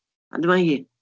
A dyma hi.